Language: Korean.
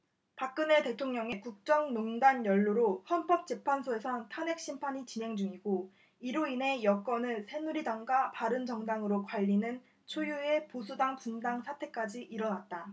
박근혜 대통령의 국정농단 연루로 헌법재판소에선 탄핵 심판이 진행 중이고 이로 인해 여권은 새누리당과 바른정당으로 갈리는 초유의 보수당 분당 사태까지 일어났다